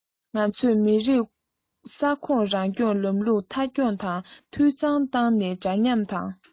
ང ཚོས མི རིགས ས ཁོངས རང སྐྱོང ལམ ལུགས མཐའ འཁྱོངས དང འཐུས ཚང དུ བཏང ནས འདྲ མཉམ དང